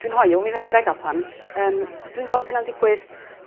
Dwi'n hoyw mi fedrai ga'l plant yym dwi'n gweld hynna'n digwydd?